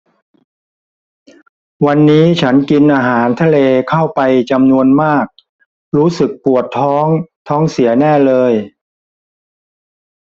วันนี้ฉันกินอาหารทะเลเข้าไปจำนวนมากรู้สึกปวดท้องท้องเสียแน่เลย